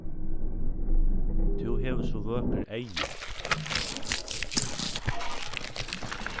tú hevur so vøkur eygu